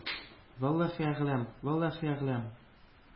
-валлаһи әгълам, валлаһи әгълам.